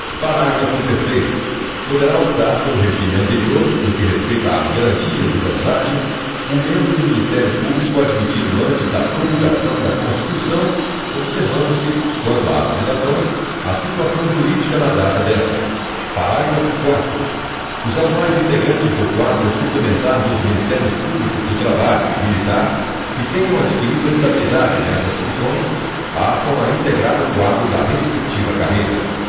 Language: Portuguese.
parágrafo terceiro poderá optar pelo regime anterior no que respeita às garantias e vantagens o membro do ministério público admitido antes da promulgação da constituição observando se quanto às vedações a situação jurídica na data desta parágrafo quarto os atuais integrantes do quadro suplementar dos ministérios públicos do trabalho e militar que tenham adquirido estabilidade nessas funções passam a integrar o quadro da respectiva carreira